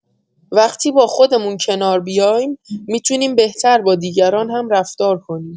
وقتی با خودمون کنار بیایم، می‌تونیم بهتر با دیگران هم رفتار کنیم.